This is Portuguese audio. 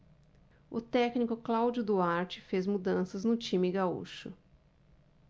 o técnico cláudio duarte fez mudanças no time gaúcho